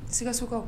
Siigasokaw